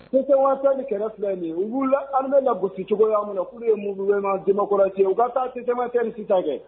tinzawatɛ kɛlɛ filɛ nin ye, u ye armée lagosi cogoya min na, k'olu Mouvements democratiques u ka taa tinzawatɛn sisan kɛ!